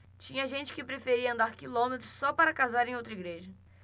tinha gente que preferia andar quilômetros só para casar em outra igreja